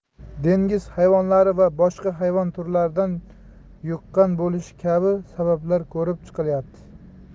dengiz hayvonlari va boshqa hayvon turlaridan yuqqan bo'lishi kabi sabablari ko'rib chiqilyapti